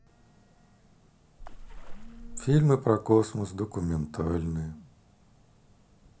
фильмы про космос документальные